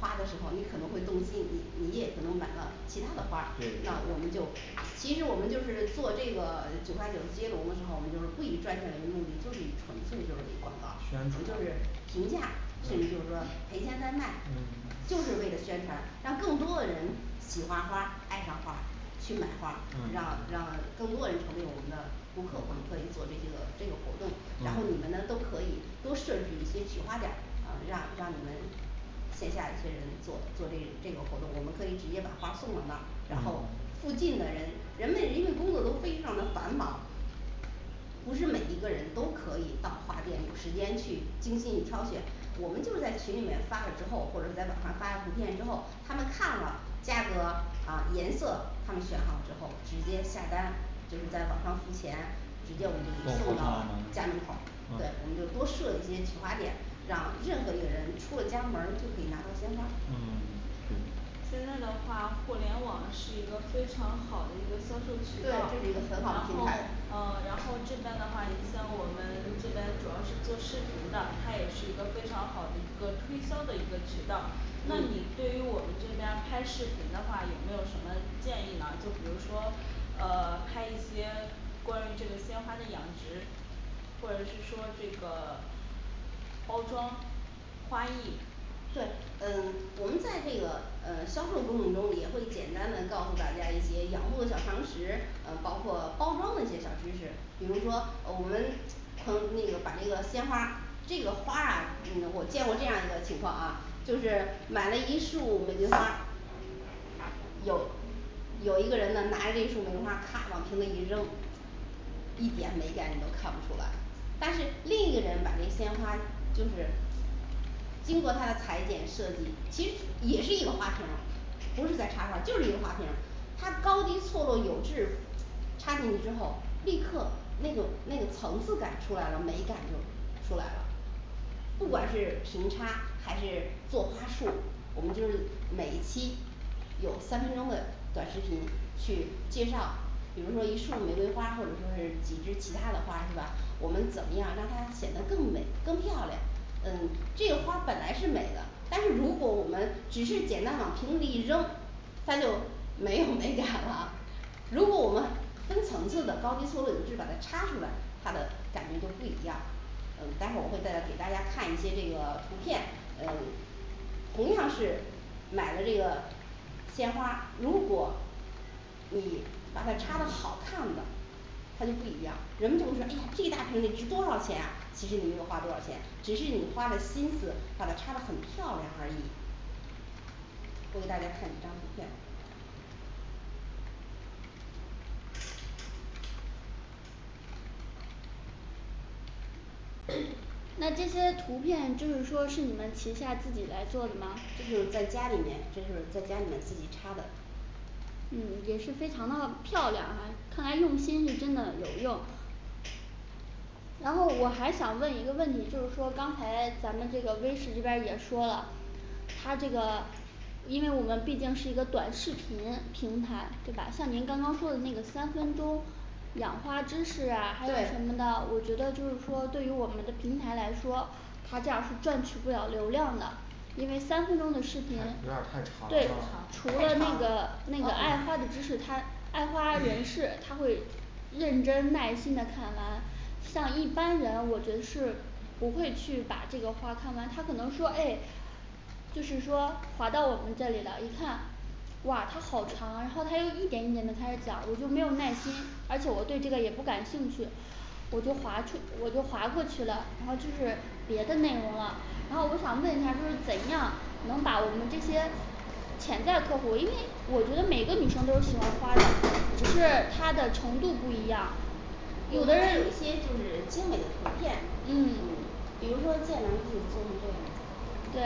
花的时候，你可能会更吸引你，你也可能买了其他的花，这对样对我们就，其实我们就是做这个九块九金融的时候，我们就不以赚钱为目的，就以纯粹作为一广告宣就传是评价，甚至就啊是说赔钱在卖嗯就是为了宣传让更多的人喜欢花、爱上花去买花儿让嗯让更多人成为我们的顾客，我们可以做这些个这个活动，然后你嗯们呢都可以多设置一些取花点儿啊让让你们线下一些人做做这这个活动，我们可以直接把花送到那，然后嗯附近的人，人们人家工作都非常的繁忙不是每一个人都可以到花店有时间去精心挑选，我们就是在群里面发了之后，或者在网上发了图片之后，他们看了价格啊颜色，他们选好之后直接下单，就是在网上付钱直接我们送送到到啊家门口儿，对我们就多设一些取花点让任何一个人出了家门儿就可以拿到鲜花嗯对现在的话互联网是一个非常好的一个销售对这渠道是一个，很好的然平后台啊然后这边的话也像我们这边主要是做视频的，它也是一个非常好的一个推销的一个渠道那你对于我们这边拍视频的话有没有什么建议呢？就比如说呃拍一些关于这个鲜花的养殖或者是说这个包装、花艺对嗯 我们在这个呃销售过程中也会简单的告诉大家一些养护的小常识，呃包括包装的一些小知识，比如说呃我们称那个把那个鲜花这个花啊嗯我见过这样一个情况啊，就是买了一束玫瑰花有有一个人呢拿着一束玫瑰花咔往瓶子一扔一点美感你都看不出来，但是另一个人把这鲜花就是经过他的裁剪设计，其也是一个花瓶儿，不是在插花就是一个花瓶儿，它高低错落有致插进去之后立刻那种那个层次感出来了，美感就出来了不管是瓶插还是做花束，我们就是每一批有三分钟的短视频去介绍，比如说一束玫瑰花或者说是几只其他的花是吧？我们怎么样让它显得更美更漂亮嗯这个花本来是美的，但是如果我们只是简单往瓶子里一扔，它就没有美感了 如果我们分层次的高低错落有致，把它插出来，它的感觉就不一样，嗯待会儿我会再给大家看一些这个图片嗯同样是买了这个鲜花，如果你把它插的好看的，它就不一样，人们都知哎呀这一大瓶得值多少钱啊，其实你没有花多少钱，只是你花的心思把它插的很漂亮而已我给大家看一张图片 那这些图片就是说是你们旗下自己来做的吗？这就是在家里面这就是在家里面自己插的。嗯也是非常的漂亮哎，看来用心是真的有用。然后我还想问一个问题就是说刚才咱们这个微视这边儿也说了，他这个因为我们毕竟是一个短视频平台，对吧？像您刚刚说的那个三分钟养花知识啊还有什对么的，我觉得就是说对于我们的平台来说，它这样是赚取不了流量的因为三分钟的视频有点儿太长了对长除了那个长那个爱花的知识，他爱花人士他会认真耐心的看完像一般人我觉得是不会去把这个画看完，他可能说诶就是说划到我们这里了一看哇它好长然后他又一点一点的开始讲，我就没有耐心，而且我对这个也不感兴趣我就滑出我就滑过去了，然后就是别的内容了，然后我想问一下就是怎样能把我们这些潜在客户，因为我觉得每个女生都是喜欢花，只是她的程度不一样它有有的人一些就是精美的图片嗯嗯，比如说现在咱们对。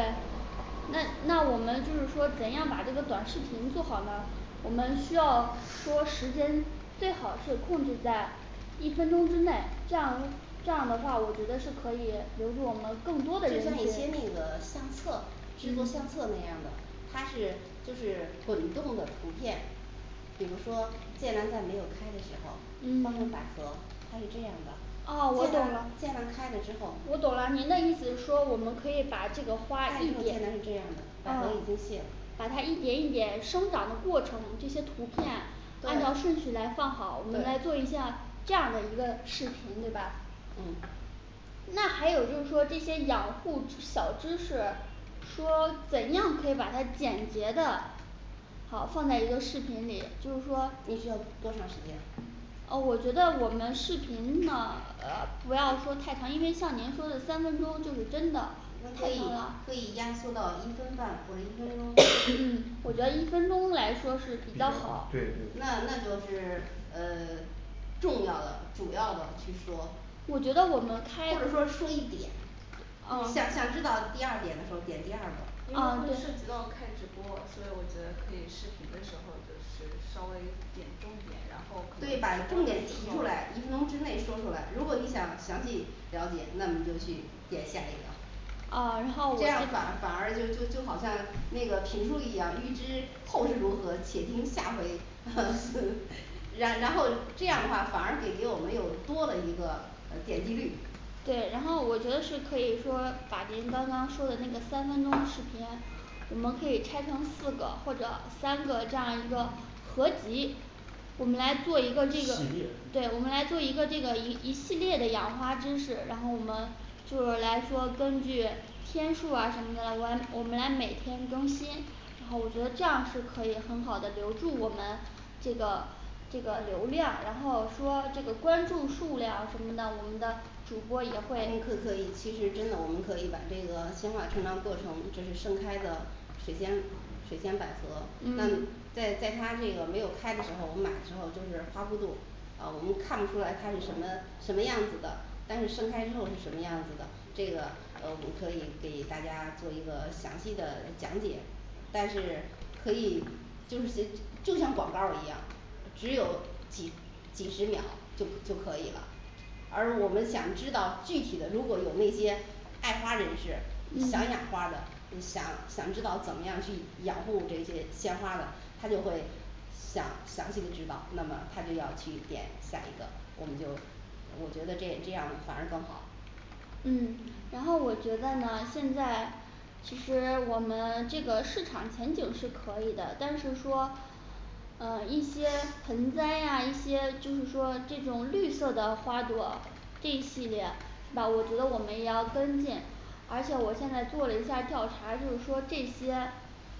那那我们就是说怎样把这个短视频做好呢我们需要说时间最好是控制在一分钟之内，这样这样的话我觉得是可以留住我们更多的就人像一些那个相册直播嗯相册那样的它是就是滚动的图片比如说剑兰在没有开的时候，放株百嗯合它是这样的啊我懂了剑兰剑兰开了之后我懂了您的意思说我们可以把这个花一一点，点呢是这样的啊百合已经谢了把它一点一点生长的过程这些图片按照对顺序来放好我们应该对做一项这样的一个视频对吧，嗯那还有就是说这些养护小知识，说怎样可以把它简洁的好，放在一个视频里，就是说你需要多长时间啊我觉得我们视频呢呃不要说太长，因为像您说的三分钟就是真的那可太以长啦可以压缩到一分半或者一分钟，嗯 我觉得一嗯分钟来说是比比较较好好对对那那就是呃重要的主要的去说，我觉得我们开或者说说一点你想噢想知道第二点的时候，点第二个因为啊会涉对及到开直播，所以我觉得可以视频的时候就是稍微点重点，然后可能直对把重点提出播的来，时候一分钟之内说出来，如果你想详细了解，那么你就去点下一个哦然后我这样反而反而就就就好像那个评书一样，预知后事如何，且听下回 然然后这样的话反而给给我们又多了一个呃点击率对然后我觉得是可以说把您刚刚说的那个三分钟视频我们可以拆成四个或者三个这样一个合集我们来做一个这个系列对我们来做一个这个一一系列的养花知识，然后我们对我来说根据天数啊什么的，完我们来每天更新，然后我觉得这样是可以很好的留住我们这个这个流量，然后说这个关注数量什么的，我们的主播也会嗯可可以，其实真的我们可以把这个鲜花生长过程，就是盛开的水仙水仙百合那嗯在在它那个没有开的时候，我们买的时候就是花咕嘟啊我们看不出来它是什么什么样子的，但是盛开之后是什么样子的，这个呃我可以给大家做一个详细的讲解但是可以就是写 就像广告儿一样，只有几几十秒就就可以了而我们想知道具体的如果有那些爱花人士想养嗯花的，就想想知道怎么样去养护这些鲜花的，他就会想详细的指导，那么他就要去点下一个，我们就我觉得这这样反而更好嗯然后我觉得呢现在其实我们这个市场前景是可以的，但是说呃一些盆栽啊，一些就是说这种绿色的花朵这一系列，是吧我觉得我们也要跟进。而且我现在做了一下调查就是说这些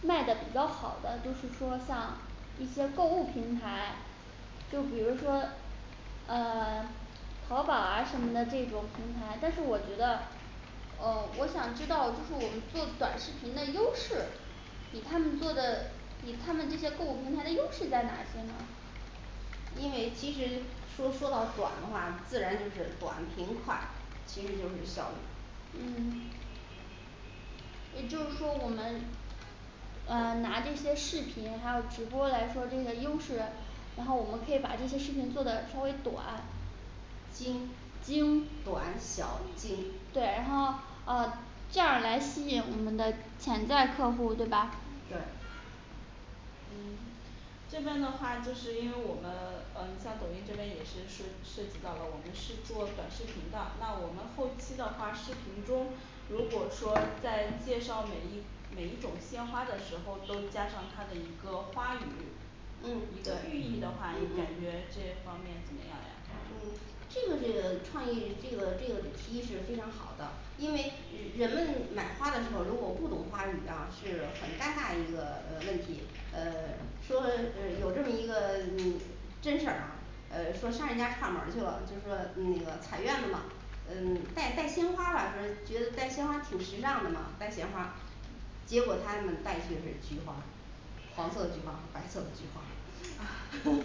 卖的比较好的就是说像一些购物平台比如说呃 淘宝啊什么的这种平台，但是我觉得呃我想知道就是我们做短视频的优势比他们做的比他们这些购物平台的优势在哪些呢因为其实说说到短的话，自然就是短平快，其实就是效率嗯也就是说我们啊我们拿这些视频还有直播来说这个优势，然后我们可以把这些视频做得稍微短金、精、短、小、新，对对，然后啊这样儿来吸引我们的潜在客户对吧是嗯这边的话就是因为我们呃你像抖音这边也是涉涉及到了我们是做短视频的，那我们后期的话视频中如果说在介绍每一每一种鲜花的时候，都加上它的一个花语嗯一个对寓意的嗯话，你嗯感嗯觉这方面怎么样呀嗯这个这个创意这个这个提议是非常好的，因为日 人们买花的时候如果不懂花语啊是很尴尬一个呃问题，呃说呃有这么一个嗯真事儿啊呃说上人家串门儿去了，就说那个财院的吗？嗯带带鲜花吧说觉得带鲜花挺时尚的嘛带鲜花结果他们带去的是菊花黄色菊花白色菊花啊 那很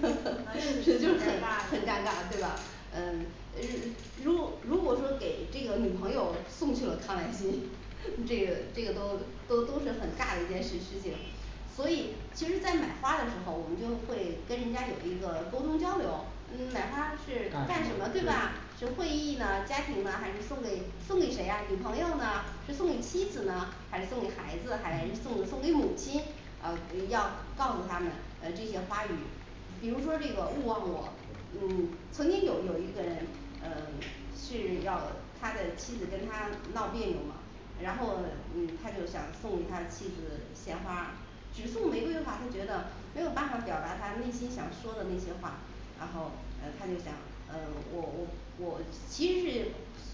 那个就挺尴尴尬尬的对吧嗯呃如如果说给这个女朋友送去了康乃馨 这个这个都都都是很尬的一件事事情所以其实在买花的时候，我们就会跟人家有一个沟通交流，嗯买花是干干什什么么对对吧？是会议呢家庭呢还是送给送给谁啊，女朋友呢，是送给妻子呢还是送给孩子还是嗯送送给母亲，啊诶要告诉他们呃这些花语比如说那个勿忘我，对嗯曾经有有一个人嗯是要他的妻子跟他闹别扭吗，然后嗯他就想送给他妻子鲜花只送玫瑰花，他觉得没有办法表达他内心想说的那些话，然后呃他就想嗯我我我其实是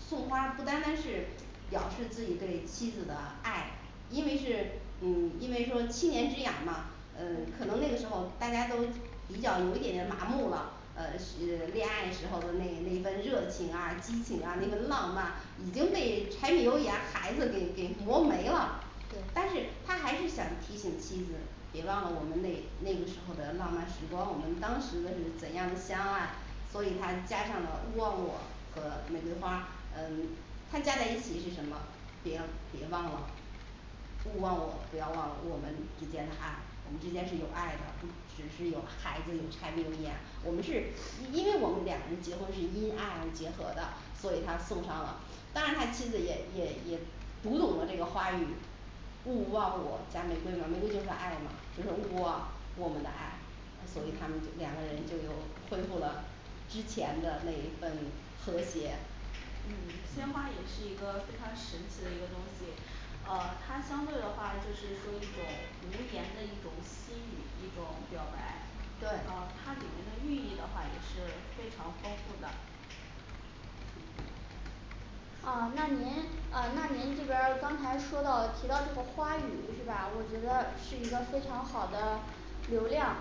送花不单单是表示自己对妻子的爱，因为是嗯因为说七年之痒嘛，嗯可能那个时候大家都比较有一点点麻木了，呃是恋爱时候的那那份热情啊激情啊那个浪漫已经被柴米油盐孩子给给磨没了对但是他还是想提醒妻子，别忘了我们那那个时候的浪漫时光，我们当时的是怎样的相爱所以他加上了勿忘我和玫瑰花嗯它加在一起是什么，别别忘了勿忘我不要忘了我们之间的爱，我们之间是有爱的，不只是有孩子有柴米油盐，我们是因因为我们两个人结婚是因爱而结合的，所以他送上了。当然他妻子也也也读懂了这个花语，勿忘我加玫瑰嘛那不就是爱嘛就是勿忘我们的爱所以他们就两个人就又恢复了之前的那一份和谐嗯鲜嗯花也是一个非常神奇的一个东西，呃它相对的话就是说一种无言的一种心语，一种表白对啊它里面的寓意的话也是非常丰富的啊那您啊那您这边儿刚才说到提到这个花语是吧？我觉得是一个非常好的流量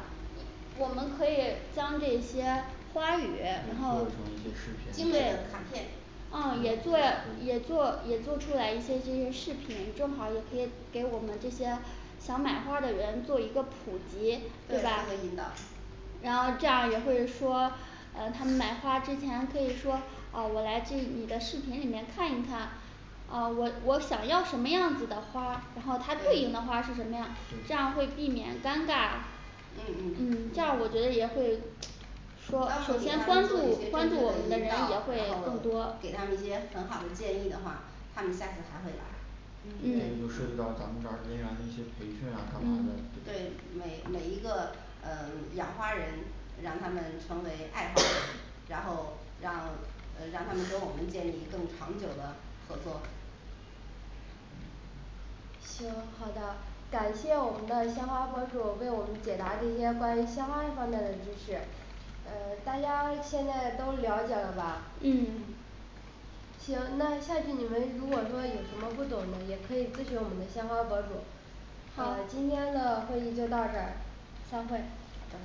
我们可以将这些花语然对后做成一些视对频卡教片啊也对对也做也做出来一些这个视频，正好儿也可以给我们这些想买花的人做一个普及，对对做吧个引导然后这样儿也会说呃他们买花之前可以说啊我来这你的视频里面看一看啊我我想要什么样子的花，然后它对应的嗯花是什么样，这样会对避免尴尬，嗯嗯嗯这样我觉得也会然说后给他们做首一些先正关注确的引导关然注我们的人也后会更多给他们一些很好的建议的话，他们下次还会来。这嗯嗯个就涉及到咱们这儿人员的一些培训啊干嘛的嗯嗯对每每一个呃 养花人让他们成为爱花人 ，然后让呃让他们给我们建立更长久的合作行，好的，感谢我们的鲜花博主为我们解答这些关于鲜花方面的知识呃大家现在都了解了吧嗯嗯行，那下去你们如果说有什么不懂的，也可以咨询我们的鲜花博主那么好今天的会议就到这儿散会好的